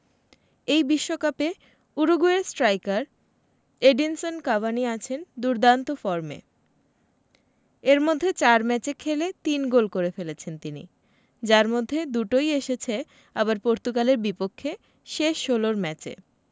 এই বিশ্বকাপে উরুগুয়ের স্ট্রাইকার এডিনসন কাভানি আছেন দুর্দান্ত ফর্মে এর মধ্যে ৪ ম্যাচে খেলে ৩ গোল করে ফেলেছেন তিনি যার মধ্যে দুটোই এসেছে আবার পর্তুগালের বিপক্ষে শেষ ষোলোর ম্যাচে